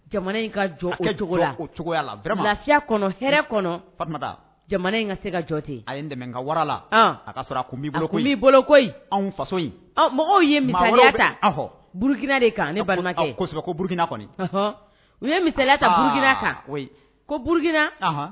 Jamana in ka jɔnyaya kɔnɔ h kɔnɔ jamana in ka se ka jɔnti a ye dɛmɛ wara la a ka b faso mɔgɔw yeya burukina de ne balimakɛsɛbɛ burukina kɔni u ye miya ta bkina kan ko bkina